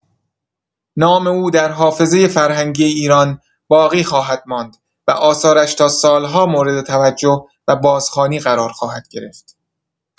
نام او در حافظه فرهنگی ایران باقی خواهد ماند و آثارش تا سال‌ها مورد توجه و بازخوانی قرار خواهد گرفت.